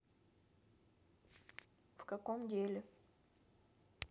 в каком деле